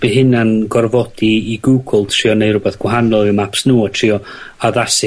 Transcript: By' hyna'n gorfodi i Google trio neu' rwbeth gwahanol i'w maps nw a trio addasu